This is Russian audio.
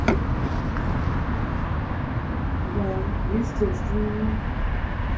da естественно